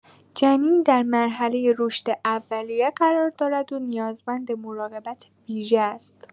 جنین در مرحله رشد اولیه قرار دارد و نیازمند مراقبت ویژه است.